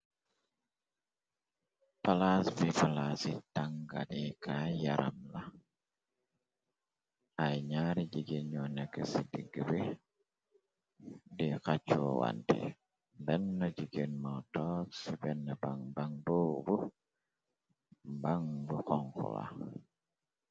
Palaas bi palaasi tangalikaay yaram la ay ñaari jigéen ñoo nekk ci digg ri di xaccu wanti ben na jigéen moo toog ci benn ban ban bo bu bang bu konkula.